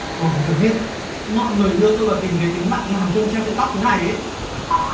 tôi không cần biết mọi người đưa tôi vào tình thế tính mạng ngàn cân treo sợi tóc thế này ý